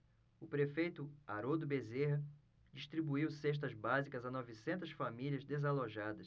o prefeito haroldo bezerra distribuiu cestas básicas a novecentas famílias desalojadas